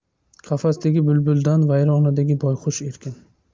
qafasdagi bulbuldan vayronadagi boyqush erkin